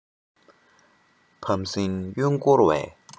བམ སྲིང གཡོན སྐོར བས